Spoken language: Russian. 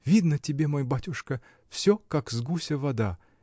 видно, тебе, мой батюшка, все как с гуся вода